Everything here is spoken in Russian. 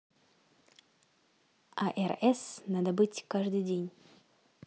а pc надо быть каждый день